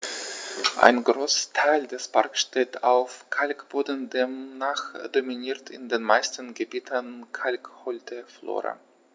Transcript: Ein Großteil des Parks steht auf Kalkboden, demnach dominiert in den meisten Gebieten kalkholde Flora.